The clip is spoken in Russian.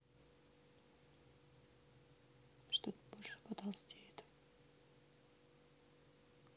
что больше потолстеет